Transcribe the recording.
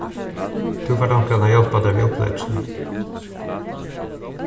tú fært onkran at hjálpa tær við upplegginum